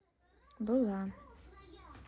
была